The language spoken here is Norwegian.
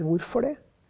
hvorfor det?